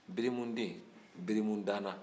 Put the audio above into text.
belemu den belemu dana